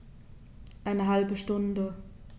Eine halbe Stunde